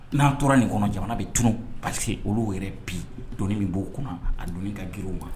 N'an tora nin kɔnɔ jamana be tunu parce que olu yɛrɛ bi doni min b'u kunna a doni ka girin u ma